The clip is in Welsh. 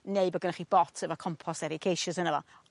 neu bo' gynnoch chi bot efo compost ericaceous yno fo.